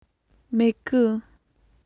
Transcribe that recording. མེད གི